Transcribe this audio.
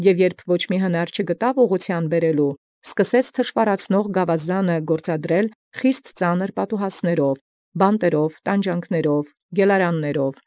Եւ իբրև ոչինչ գտանէր հնարս յուղղութիւն ածելոյ, առեալ ի գործ արկանէր զթշուառացուցիչ գաւազանն, ծանրագոյն պատուհասիւք ի բանդս, ի տանջանս, ի գելարանս։